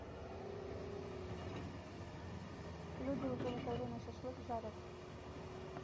люди уже в это время шашлык жарят